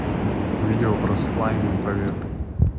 видео про слаймы проверка